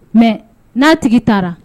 Mais n'a tigi taara